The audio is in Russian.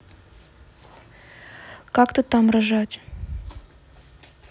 как ты там рожать